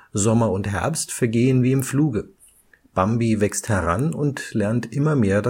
Sommer und Herbst vergehen wie im Fluge, Bambi wächst heran und lernt immer mehr